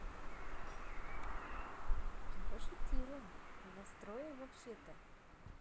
я пошутила востроя вообще то